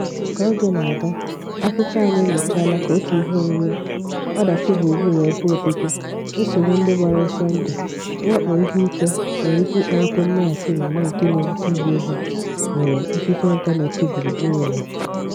Ka oge na-aga, akụkọ anyị enyochaala ka otu iheomume - ọdachi gburugburu ebe obibi, nsogbu ndị gbara ọsọ ndụ, mwakpo ihe ike - nwere ike ịkpalite mmeghachi omume nke na-ebute iyi egwu nyere ikike ịntaneetị gburugburu ụwa.